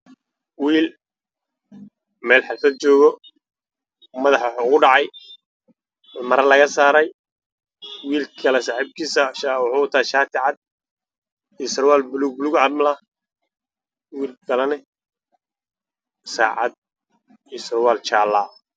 Waa school waxaa jooga gabdho iyo wiilal waxay wataan dhar cadaan ah